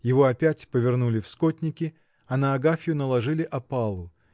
Его опять повернули в скотники, а на Агафью наложили опалу